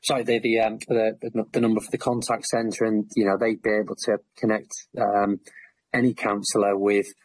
sorry they're the erm the the number for the contact centre, and you know they would be able to connect erm any counsellor with